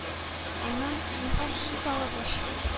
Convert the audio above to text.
Аннан: “Зинһар, сөт алып эч,